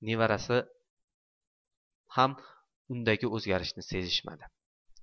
nevarasi ham undagi o'zgarishni sezishmadi